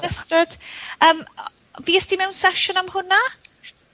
...ystod, yym, o- fuest ti mewn sesiwn am hwnna?